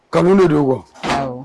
Kakununi don wa